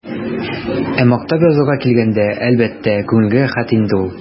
Ә мактап язуга килгәндә, әлбәттә, күңелгә рәхәт инде ул.